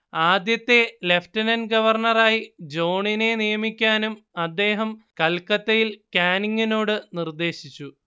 ആദ്യത്തെ ലെഫ്റ്റനന്റ് ഗവർണറായി ജോണിനെ നിയമിക്കാനും അദ്ദേഹം കൽക്കത്തയിൽ കാനിങ്ങിനോട് നിർദ്ദേശിച്ചു